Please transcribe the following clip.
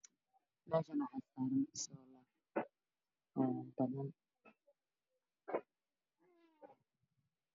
Meeshaan waxaa saaran soolar dalad